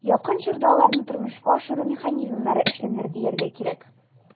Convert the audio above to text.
Якын чорда аларны тормышка ашыру механизмнары эшләнер, дияргә кирәк.